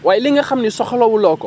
waaye li nga xam ne soxla wu loo ko